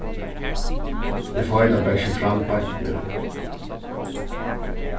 eg fái tað bara ikki fram beint nú